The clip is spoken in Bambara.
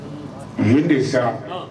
Mun de sa